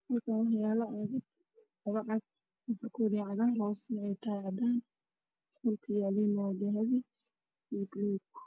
Haljan waxyalo cagag oo furkod yahay cagar hosna eey tahay cadan dhulka eey yalan waa dahbi io balug